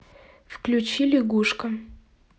включи лягушка